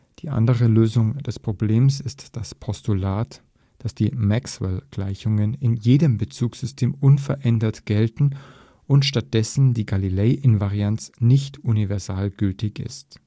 Die andere Lösung des Problems ist das Postulat, dass die Maxwell-Gleichungen in jedem Bezugssystem unverändert gelten und stattdessen die Galilei-Invarianz nicht universal gültig ist